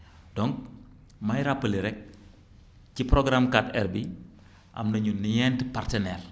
donc may rappelé rek ci programme 4R bi am nañu ñenti partenaires